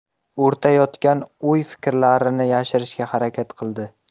o'rtayotgan o'y fikrlarini yashirishga harakat qildi